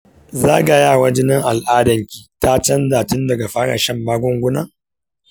zagayawar jinin al'adar ki ta canza tun daga fara shan magunguna?